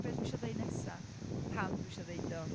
ond be dwi isio ddeud nesaf? Pam dwi isio ddeud o?